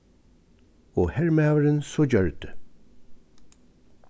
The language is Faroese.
og hermaðurin so gjørdi